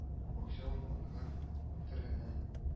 Бакча урманга ук терәлә